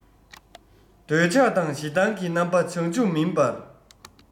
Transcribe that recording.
འདོད ཆགས དང ཞེ སྡང གི རྣམ པ བྱང ཆུབ མིན པར